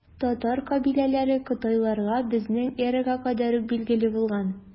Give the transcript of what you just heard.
Татар кабиләләре кытайларга безнең эрага кадәр үк билгеле булган.